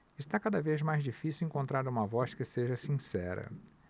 está cada vez mais difícil encontrar uma voz que seja sincera